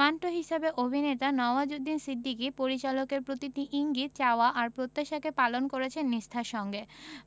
মান্টো হিসেবে অভিনেতা নওয়াজুদ্দিন সিদ্দিকী পরিচালকের প্রতিটি ইঙ্গিত চাওয়া আর প্রত্যাশাকে পালন করেছেন নিষ্ঠার সঙ্গে